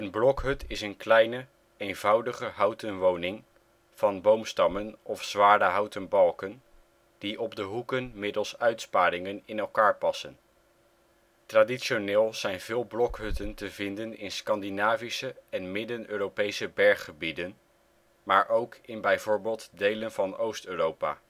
blokhut is een kleine eenvoudige houten woning van boomstammen of zware houten balken die op de hoeken middels uitsparingen in elkaar passen. Traditioneel zijn veel blokhutten te vinden in Scandinavische en Midden-Europese berggebieden, maar ook in bijvoorbeeld delen van Oost-Europa